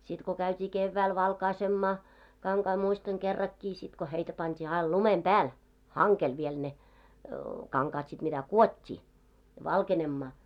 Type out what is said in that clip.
sitten kun käytiin keväällä valkaisemaan kankaita muistan kerrankin sitten kun heitä pantiin aina lumen päälle hangelle vielä ne kankaat sitten mitä kudottiin valkenemaan